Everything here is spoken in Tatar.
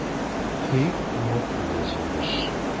Хикмәтле җимеш!